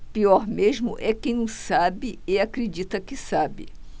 pior mesmo é quem não sabe e acredita que sabe